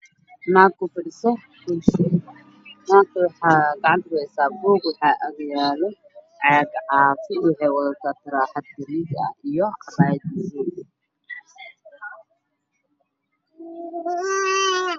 Naag ku fadhiso kursi naagta waxa gacanta ku heysaa buug waxa ag yaallo caag caafi waxay wadataa taraaxad gaduud iyo cafaayad madow